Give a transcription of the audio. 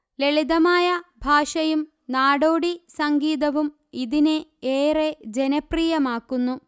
ലളിതമായ ഭാഷയും നാടോടി സംഗീതവും ഇതിനെ ഏറെ ജനപ്രിയമാക്കുന്നു